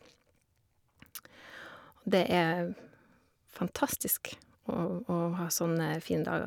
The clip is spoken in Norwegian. Og det er fantastisk å å ha sånne fine dager.